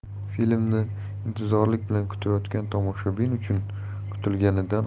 filmni intizorlik bilan kutayotgan tamoshabin uchun kutilganidan